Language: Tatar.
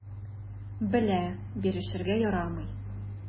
Белә: бирешергә ярамый.